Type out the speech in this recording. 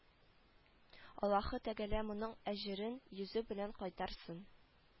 Аллаһы тәгалә моның әҗерен йөзе белән кайтарсын